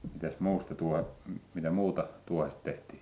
mitäs muusta - mitä muuta tuohesta tehtiin